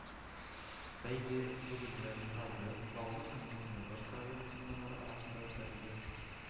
Бәйге Бөгелмә, Ютазы, Баулы һәм Лениногорск район мөселманнары арасында үткәрелде